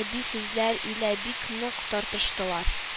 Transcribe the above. Кеби сүзләр илә бик нык тартыштылар